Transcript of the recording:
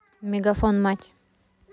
мегафон мать